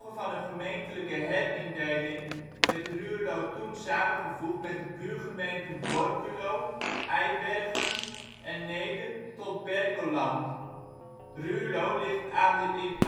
van een gemeentelijke herindeling werd Ruurlo toen samengevoegd met de buurgemeenten Borculo, Eibergen en Neede tot Berkelland. Ruurlo ligt aan de in